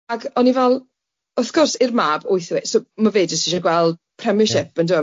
ac o'n i fel wrth gwrs i'r mab wyth yw e so ma' fe jyst isie gweld Premiership yndyw e?